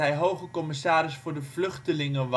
Hoge commissaris voor de vluchtelingen